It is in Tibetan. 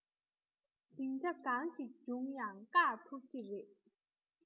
ཟིང ཆ གང ཞིག བྱུང ཡང བཀག ཐུབ ཀྱི རེད